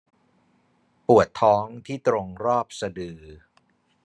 ปวดท้องที่ตรงรอบสะดือ